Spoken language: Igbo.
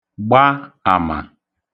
gba àmà